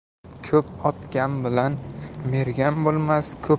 ko'p otgan bilan mergan bo'lmas